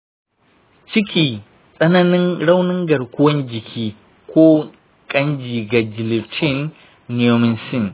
ciki, tsananin raunin garkuwar jiki, ko ƙan-jiki ga gelatin/neomycin.